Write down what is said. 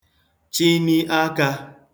chịni akā